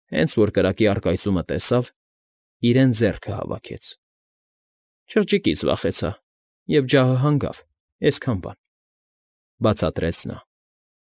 Հենց որ կրակի առկայծումը տեսավ, իրեն ձեռքը հավաքեց։ ֊ Չղջիկից վախեցա, և ջահը հանգավ, այսքան բան,֊ բացատրեց նա։